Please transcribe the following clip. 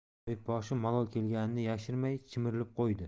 tabibboshi malol kelganini yashirmay chimirilib qo'ydi